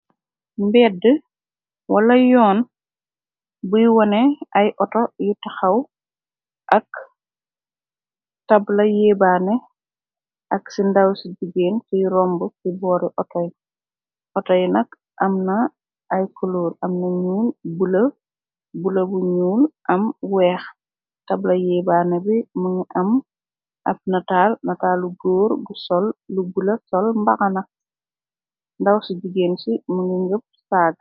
Mbedd wala yoon buy wone ay oto yi taxaw ak tabla yéebaane ak ci ndaw ci jigeen ci romb ci boori otoy otoy nak am na ay culoor amna ñuul, bula, bula bu ñuul, am weex tabla yéebanne bi mëngi am ab natal nataalu góor gu sol lu gula sol mbaxa nak ndaw ci jigéen ci mëngi ngëpp saag.